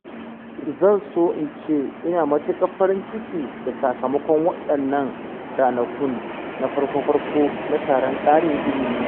Da farko, zan so in ce ina matuƙar farin ciki da sakamakon waɗannan ranakun na farko-farko na taron ƙarin ilimi.